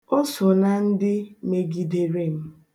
O so na ndị megidere m.